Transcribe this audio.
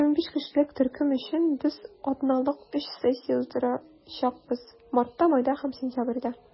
25 кешелек төркем өчен без атналык өч сессия уздырачакбыз - мартта, майда һәм сентябрьдә.